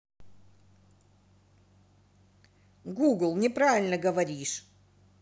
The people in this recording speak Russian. google неправильно говоришь